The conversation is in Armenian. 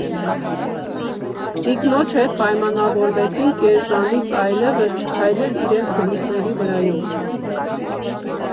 Տիկնոջ հետ պայմանավորվեցինք կես ժամից այլևս չքայլել իրենց գլուխների վրայով։